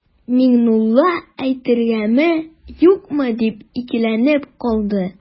Миңнулла әйтергәме-юкмы дип икеләнеп калды.